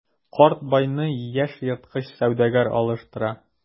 Карт байны яшь ерткыч сәүдәгәр алыштыра.